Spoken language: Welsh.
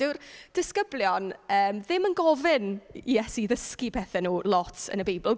'Dyw'r disgyblion, yym, ddim yn gofyn i Iesu ddysgu pethe nhw lot yn y Beibl.